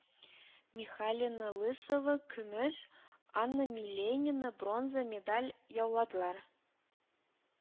Михалина Лысова көмеш, Анна Миленина бронза медаль яуладылар